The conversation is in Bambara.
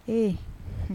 Ee